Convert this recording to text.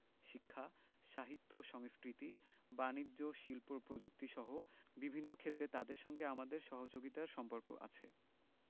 শিক্ষা সাহিত্য সংস্কৃতি বানিজ্য শিল্প প্রযুক্তিসহ বিভিন্ন ক্ষেত্রে তাদের সঙ্গে আমাদের সহযোগিতার সম্পর্ক আছে